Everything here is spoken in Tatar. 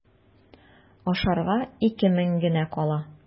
Ашарга ике мең генә кала.